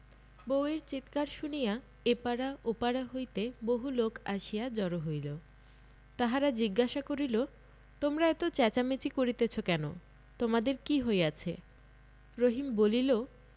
বউ এর চিৎকার শুনিয়া এ পাড়া ও পাড়া হইতে বহুলোক আসিয়া জড় হইল তাহারা জিজ্ঞাসা করিল তোমরা এত চেঁচামেচি করিতেছ কেন তোমাদের কি হইয়াছে রহিম বলিল